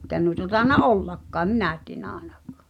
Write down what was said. eikä noita tainnut ollakaan en minä tiedä ainakaan